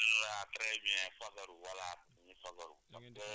mu ngi voilà très bien fagaru voilà ñuy fagaru